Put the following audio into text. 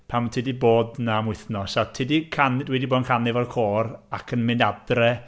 Pan ti 'di bod yna am wythnos a ti 'di canu... dwi 'di bod yn canu efo'r côr ac yn mynd adre.